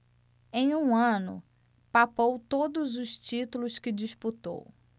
em um ano papou todos os títulos que disputou